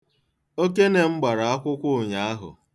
Okene m gbara akwụkwọ ụnyaahụ.